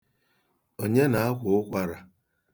Onye na-akwa ụkwara?